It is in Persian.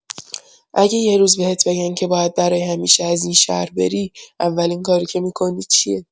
اگه یه روز بهت بگن که باید برای همیشه از این شهر بری، اولین کاری که می‌کنی چیه؟